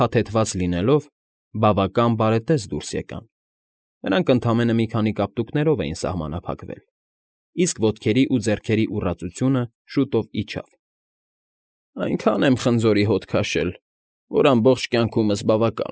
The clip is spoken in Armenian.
Փաթեթավորված լինելով, բավական բարետես դուրս եկան. նրանք ընդամենը մի քանի կապտուկներով էին սահմանափակվել, իսկ ոտքերի ու ձեռքերի ուռածությունը շուտով իջավ։ ֊ Այնքան եմ խնձորի հոտ քաշել, որ ամբողջ կյանքումս բավական։